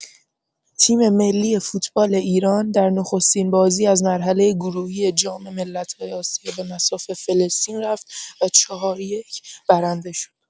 تیم‌ملی فوتبال ایران در نخستین بازی از مرحله گروهی جام ملت‌های آسیا به مصاف فلسطین رفت و ۱ - ۴ برنده شد.